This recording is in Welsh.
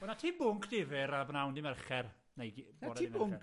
Wel, 'na ti bwnc difyr ar b' nawn dy Mercher, neu g- bore... 'Na ti bwnc...